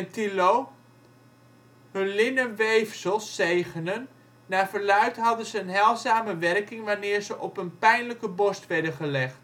Thillot hun linnen weefsels zegenen; naar verluidt hadden ze een heilzame werking wanneer ze op een pijnlijke borst werden gelegd